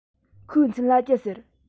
ཁོའི མཚན ལ ཅི ཟེར